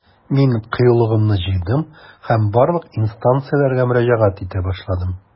Мин кыюлыгымны җыйдым һәм барлык инстанцияләргә мөрәҗәгать итә башладым.